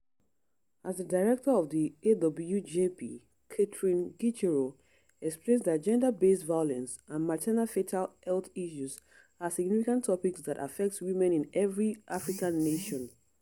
As the director of the AWJP, Catherine Gicheru explains that gender-based violence and maternal-fetal health issues are significant topics that affect women in every African nation.